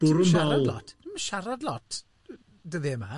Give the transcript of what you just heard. Ti'm yn siarad lot dyddiau yma.